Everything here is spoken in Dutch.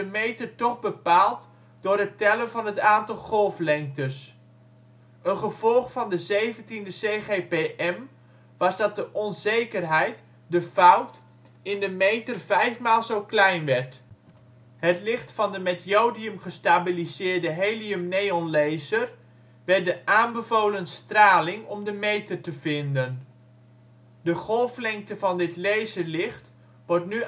meter toch bepaald door het tellen van het aantal golflengtes. Een gevolg van de 17e CGPM was dat de onzekerheid (de fout) in de meter vijf maal zo klein werd. Het licht van de met jodium gestabiliseerde Helium-neonlaser werd de " aanbevolen straling " om de meter te vinden. De golflengte van dit laserlicht wordt nu